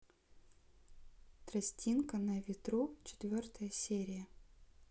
тростинка на ветру четвертая серия